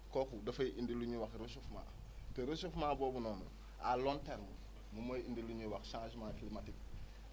kooku dafay indi lu ñuy wax réchauffement te réchauffement boobu noonu à long terme moom mooy indi lu ñuy wax changement climatique